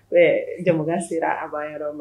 Ɛɛ jama sera a ba yɔrɔ ma